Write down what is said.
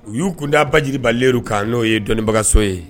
U y'u kunda Bajiribalenyi kan n'o ye dɔnniibagaso ye